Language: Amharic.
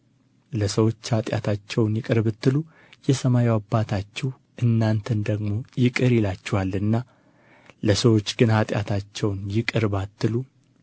ለሰዎች ኃጢአታቸውን ይቅር ብትሉ የሰማዩ አባታችሁ እናንተን ደግሞ ይቅር ይላችኋልና ለሰዎች ግን ኃጢአታቸውን ይቅር ባትሉ